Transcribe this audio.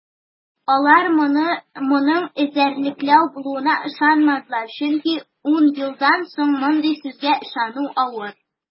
Алар моның эзәрлекләү булуына ышанмадылар, чөнки ун елдан соң мондый сүзгә ышану авыр.